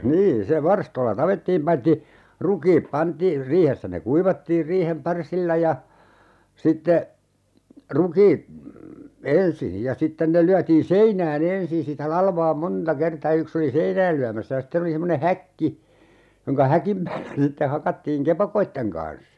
niin se varstoilla tapettiin paitsi rukiit pantiin riihessä ne kuivattiin riihen parsilla ja sitten rukiit ensin ja sitten ne lyötiin seinään ensin sitä latvaa monta kertaa - yksi oli seinään lyömässä ja sitten oli semmoinen häkki jonka häkin päällä ne sitten hakattiin kepakoiden kanssa